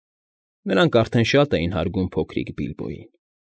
Նրանք արդեն շատ էին հարգում փոքրիկ Բիլբոյին։